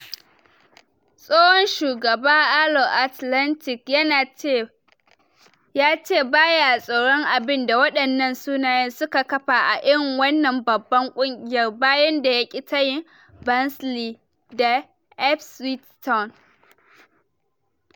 Tsohon shugaban Alloa Athletic ya ce ba ya tsoron abin da wadannan sunayen suka kafa a irin wannan babban kungiyar, bayan da yaki tayin Barnsley da Ipswich Town.